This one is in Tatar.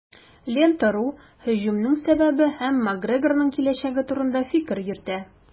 "лента.ру" һөҗүмнең сәбәбе һәм макгрегорның киләчәге турында фикер йөртә.